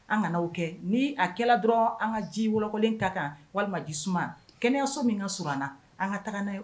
An ka n'aw kɛ ni a kɛra dɔrɔn an ka ji wolokolonlen ta kan walima di kɛnɛyaso min ka sana an ka taa n'